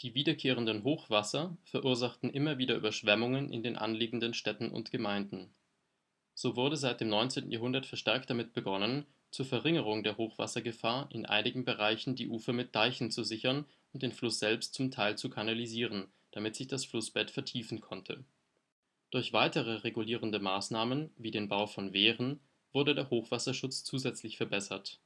wiederkehrenden Hochwasser verursachten immer wieder Überschwemmungen in den anliegenden Städten und Gemeinden. So wurde seit dem 19. Jahrhundert verstärkt damit begonnen, zur Verringerung der Hochwassergefahr in einigen Bereichen die Ufer mit Deichen zu sichern und den Fluss selbst zum Teil zu kanalisieren, damit sich das Flussbett vertiefen konnte. Durch weitere regulierende Maßnahmen, wie den Bau von Wehren, wurde der Hochwasserschutz zusätzlich verbessert